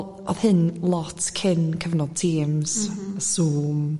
wel o'dd hyn lot cyn cyfnod Teams Zoom